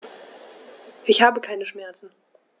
Ich habe keine Schmerzen.